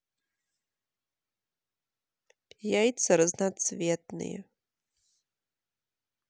яйца разноцветные